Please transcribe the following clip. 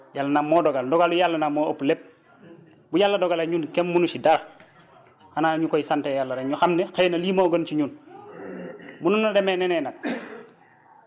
yàlla nag moo dogal dogalu yàlla nag moo ëpp lépp bu yàlla dogalee ñun kenn munu si dara xanaa ñu koy santee yàlla rek ñu xam ne xëy na lii moo gën si ñun munoon na demee neneen nag